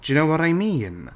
Do you know what I mean?